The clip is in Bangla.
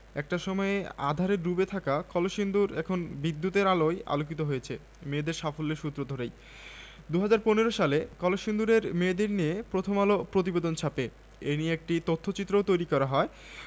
একটা সময়ে আঁধারে ডুবে থাকা কলসিন্দুর এখন বিদ্যুতের আলোয় আলোকিত হয়েছে মেয়েদের সাফল্যের সূত্র ধরেই ২০১৫ সালে কলসিন্দুরের মেয়েদের নিয়ে প্রথম আলো প্রতিবেদন ছাপে এ নিয়ে একটি তথ্যচিত্রও তৈরি করা হয়